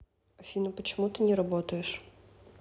афина почему ты не работаешь